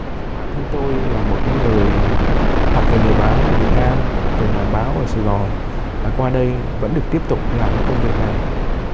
bản thân tôi là một cái người học về nghề báo ở việt nam từng làm báo ở sài gòn và qua đây vẫn được tiếp tục làm những công việc này